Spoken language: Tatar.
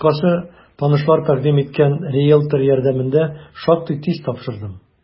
Кыскасы, танышлар тәкъдим иткән риелтор ярдәмендә шактый тиз тапшырдым.